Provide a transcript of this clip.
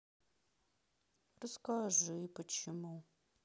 расскажи почему